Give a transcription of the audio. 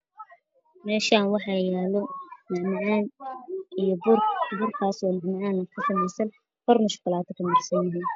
Meeshaan waxa yaalo macmacaan iyo bur burkaasoo macmacaanka sameysan korna shukulaato ka marsanyahay